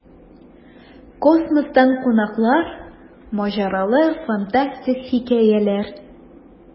Космостан кунаклар: маҗаралы, фантастик хикәяләр.